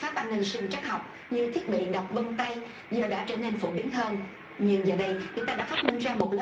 pháp an ninh sinh trắc học như thiết bị đọc vân tay nhựa đã trở nên phổ biến hơn nhưng giờ đây người ta đã phát minh ra một lớp